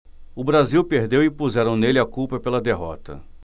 o brasil perdeu e puseram nele a culpa pela derrota